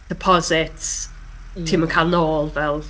deposits... Ie ...ti'm yn cael nôl, fel.